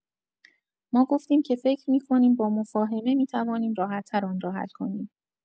ما گفتیم که فکر می‌کنیم با مفاهمه، می‌توانیم راحت‌تر آن را حل کنیم.